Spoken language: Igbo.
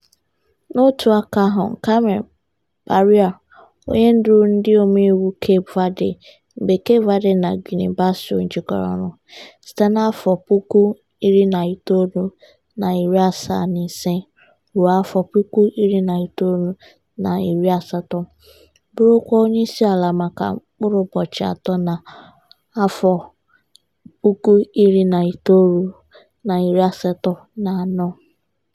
N'otu aka ahụ, Carmen Pereira, onye duru ndị omeiwu Cape Verde (mgbe Cape Verde na Guinea-Bissau jikọrọ ọnụ) site na 1975 ruo 1980, bụrụkwa onyeisiala maka mkpụrụ ụbọchị atọ na 1984.